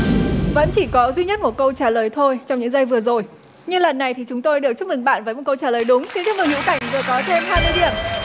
vẫn chỉ có duy nhất một câu trả lời thôi trong những giây vừa rồi nhưng lần này thì chúng tôi được chúc mừng bạn với một câu trả lời đúng xin chúc mừng hữu cảnh vừa có thêm hai mươi điểm